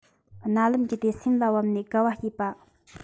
རྣ ལམ བརྒྱུད དེ སེམས ལ བབས ནས དགའ བ སྐྱེས པ